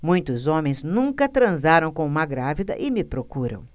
muitos homens nunca transaram com uma grávida e me procuram